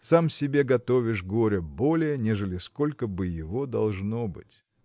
сам себе готовишь горя более, нежели сколько бы его должно быть.